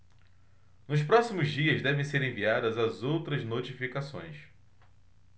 nos próximos dias devem ser enviadas as outras notificações